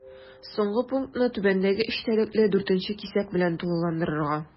Соңгы пунктны түбәндәге эчтәлекле 4 нче кисәк белән тулыландырырга.